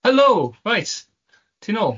Helo, reit ti'n nôl?